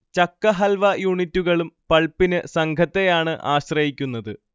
ചക്ക ഹൽവ യൂണിറ്റുകളും പൾപ്പിന് സംഘത്തെയാണ് ആശ്രയിക്കുന്നത്